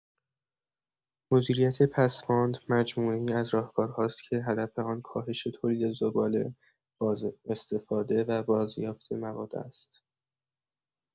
مدیریت پسماند مجموعه‌ای از راهکارهاست که هدف آن کاهش تولید زباله، بازاستفاده و بازیافت مواد است.